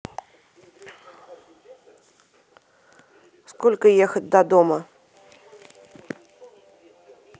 сколько ехать до дома